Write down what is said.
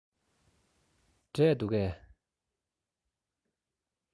འབྲས འདུག གས